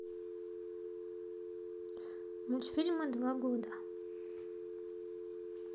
мультфильмы два года